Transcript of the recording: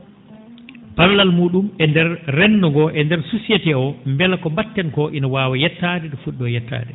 ballal mu?um e ndeer renndo ngoo e ndeer société oo mbele ko mba?eten koo ina waawa yettaade ?o foti ?oo yettaade